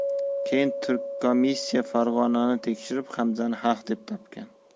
keyin turkkomissiya farg'onani tekshirib hamzani haq deb topgan